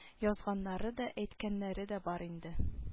Язганнары да әйткәннәре дә бар инде